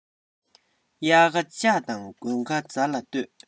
དབྱར ཁ ལྕགས དང དགུན ཁ རྫ ལ ལྟོས